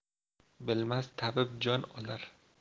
bilmas tabib jon olar